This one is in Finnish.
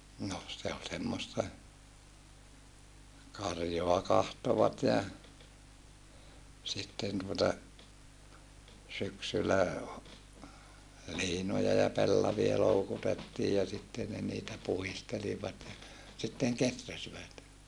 no se oli semmoista karjaa katsoivat ja sitten tuota syksyllä - liinoja ja pellavia loukutettiin ja sitten ne niitä puhdistelivat ja sitten kehräsivät